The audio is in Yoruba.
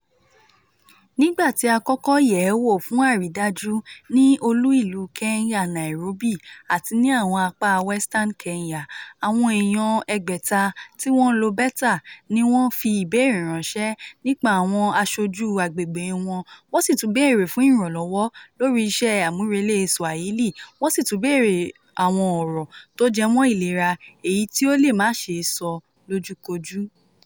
Nígbà tí a kọ́kọ́ yẹ̀ẹ́ wò fún àrîdájú ní olú ìlú Kenya, Nairobi, àti ní àwon apá Western Kenya, àwọn èèyàn 600 ti wọ́n ń lo beta ni wọn fi ìbéèrè ránṣẹ́ nípa àwọn aṣojú àgbègbè wọn, wọ́n sì tún béèrè fún ìrànlọ́wọ́ lórí isẹ́ àmúleré Swahili, wọ́n sì tún béèrè àwọn ọ̀rọ̀ tó jẹ mọ́ ìlera èyí tí ó lè má ṣeé sọ lójúkojú.